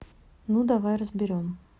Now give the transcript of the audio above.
ну давай разберем